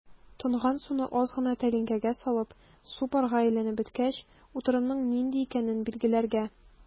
Тонган суны аз гына тәлинкәгә салып, су парга әйләнеп беткәч, утырымның нинди икәнен билгеләргә.